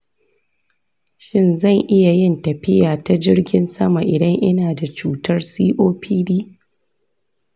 shin zan iya yin tafiya ta jirgin sama idan ina da cutar copd?